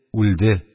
Үлде